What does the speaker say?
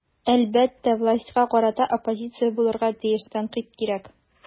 Әлбәттә, властька карата оппозиция булырга тиеш, тәнкыйть кирәк.